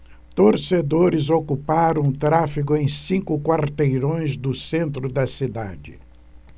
torcedores ocuparam o tráfego em cinco quarteirões do centro da cidade